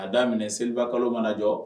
A daminɛ seliba kalo manajɔ